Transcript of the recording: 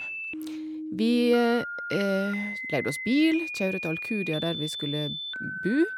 Vi leide oss bil, kjørte til Alcudia, der vi skulle bo.